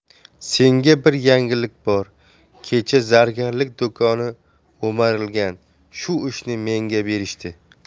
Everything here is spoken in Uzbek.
senga bir yangilik bor kecha zargarlik do'koni o'marilgan shu ishni menga berishdi